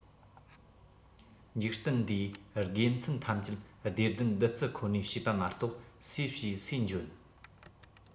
འཇིག རྟེན འདིའི དགེ མཚན ཐམས ཅད བདེ ལྡན བདུད རྩི ཁོ ནས བྱས པ མ གཏོགས སུས བྱས སུས འཇོན